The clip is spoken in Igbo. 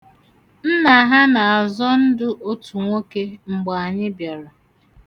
Nna ha na-azọ ndụ otu nwoke mgbe anyị bịara.